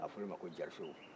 a fɔra olu ma ko jarisow